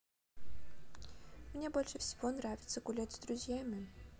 мне больше всего нравится гулять с друзьями